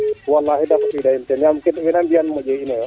walay de soɓida in teen ndax weena mbiyan moƴe in